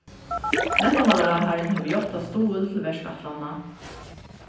mentamálaráðharrin hevur játtað stuðul til verkætlanina